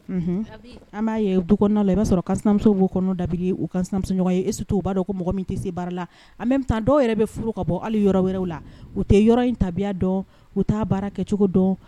N' hun abi anw b'a ye du kɔnɔnaw la iba sɔrɔ kansinamusow b'u kɔnɔ dabiri u kansinamuso ɲɔngɔn ye e surtout u b'a dɔn ko mɔgɔ min tɛ se baara la en même temps dɔw yɛrɛ bɛ furu ka bɔ hali yɔrɔ wɛrɛw la u tɛ yɔrɔ in tabiya dɔn u taa baara kɛcogo dɔn